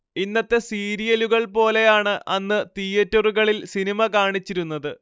ഇന്നത്തെ സീരിയലുകൾ പോലെയാണ് അന്ന് തിയറ്റരുകളിൽ സിനിമ കാണിച്ചിരുന്നത്